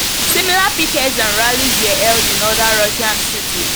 Similar pickets and rallies were held in other Russian cities.